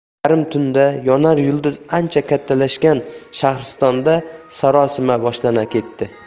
yarim tunda yonar yulduz ancha kattalashgan shahristonda sarosima boshlangan edi